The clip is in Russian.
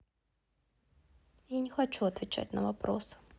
я не хочу отвечать на вопросы